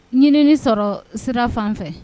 Ɲinini sɔrɔ sirafan fɛ